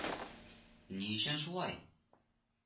Ни өчен шулай